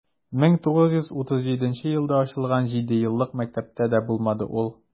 1937 елда ачылган җидееллык мәктәптә дә булмады ул.